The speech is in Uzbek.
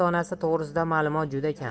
onasi to'grisida ma'lumot juda kam